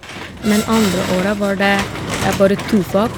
Men andre året var det bare to fag.